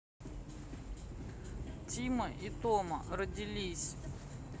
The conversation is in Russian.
тима и тома родились